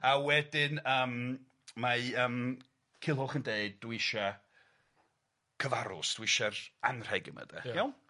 A wedyn yym mae yym Culhwch yn dweud, dwi isia cyfarws, dwi isie'r anrheg yma de iawn?